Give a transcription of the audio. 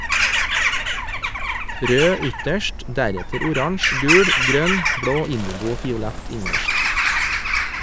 Rød ytterst, deretter oransje, gul, grønn, blå, indigo og fiolett innerst.